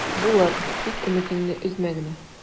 Булыр, тик өметеңне өзмә генә...